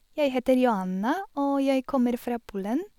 Jeg heter Joanna, og jeg kommer fra Polen.